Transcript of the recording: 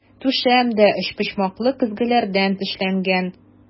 Түшәм дә өчпочмаклы көзгеләрдән эшләнгән.